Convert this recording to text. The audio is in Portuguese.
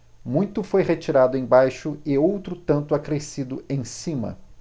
muito foi retirado embaixo e outro tanto acrescido em cima